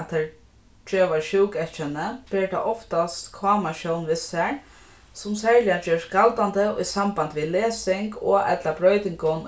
at tær geva sjúkueyðkenni ber tað oftast káma sjón við sær sum serliga ger seg galdandi í sambandi við lesing og ella broytingum